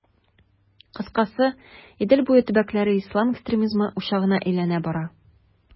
Кыскасы, Идел буе төбәкләре ислам экстремизмы учагына әйләнә бара.